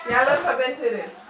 y a l' alphabet séeréer